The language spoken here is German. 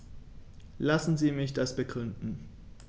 Lassen Sie mich das begründen.